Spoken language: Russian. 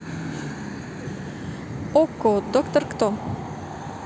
okko доктор кто